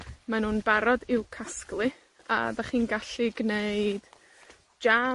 Mae nw'n barod i'w casglu, a 'dach chi'n gallu gneud jam,